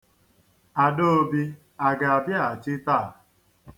Adaobi a ga-abịaghachi taa?